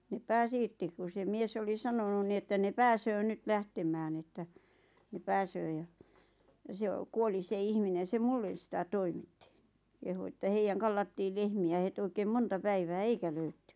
ne pääsi irti kun se mies oli sanonut niin että ne pääsee nyt lähtemään että ne pääsee ja ja se - kuoli se ihminen se minulle sitä toimitti kehui että heidän kallattiin lehmiä heti oikein monta päivää eikä löydetty